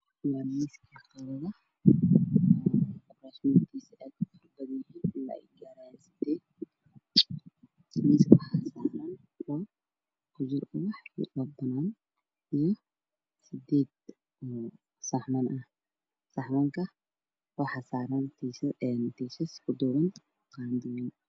Waxaa ii muuqda miiska lagu qadeeyo oo ay saaran yihiin sahmaan iyo qaado waxaa hortooda ka muuqda armaajo ay saaran yihiin talaabo kale iyo fadhi ay saaran yihiin barkimo